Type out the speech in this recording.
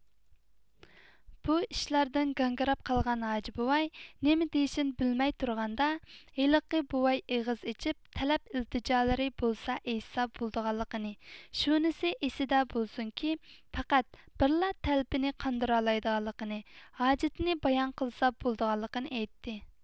بۇ ئىشلاردىن گاڭگىراپ قالغان ھاجى بوۋاي نېمە دېيىشنى بىلمەي تۇرغاندا ھېلىقى بوۋاي ئېغىز ئېچىپ تەلەپ ئىلتىجالىرى بولسا ئېيتسا بولىدىغانلىقىنى شۇنىسى ئېسىىدە بولسۇنكى پەقەت بىرلا تەلىپىنى قاندۇرالايدىغانلىقىنى ھاجىتىنى بايان قىلسا بولىدىغانلىقىنى ئېيتتى